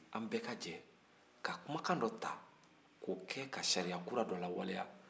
an bɛɛ ka jɛ ka kumakan dɔ ta k'o kɛ ka sariya kura dɔ lawaleya